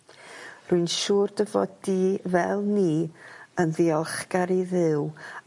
Rwy'n siŵr dy fod di fel ni yn ddiolchgar i Dduw